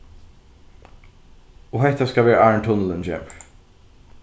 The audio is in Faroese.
og hetta skal vera áðrenn tunnilin kemur